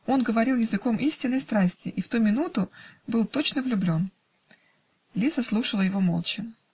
Он говорил языком истинной страсти и в эту минуту был точно влюблен. Лиза слушала его молча.